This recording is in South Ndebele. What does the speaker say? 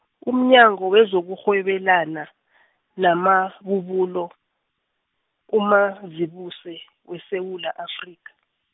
umnyango wezokurhwebelana, namabubulo, uMazibuse, weSewula Afrika.